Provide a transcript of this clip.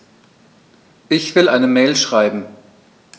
Ich will eine Mail schreiben.